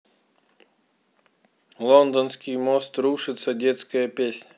лондонский мост рушится детская песня